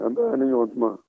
nba a ni ɲɔgɔntuma